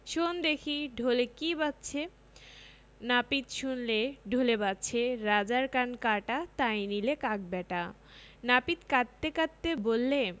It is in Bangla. শোন দেখি ঢোলে কী বাজছে নাপিত শুনলে ঢোলে বাজছে ‘রাজার কান কাটা তাই নিলে কাক ব্যাটা নাপিত কঁদতে কঁদতে বললে